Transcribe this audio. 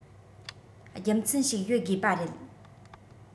རྒྱུ མཚན ཞིག ཡོད དགོས པ རེད